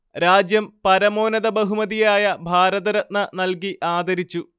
രാജ്യം പരമോന്നത ബഹുമതിയായ ഭാരതരത്ന നൽകി ആദരിച്ചു